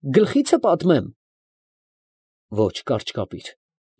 Գլխի՞ցը պատմեմ։ ֊ Ո՛չ, կարճ կապի՛ր։